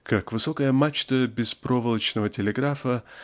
Как высокая мачта беспроволочного телеграфа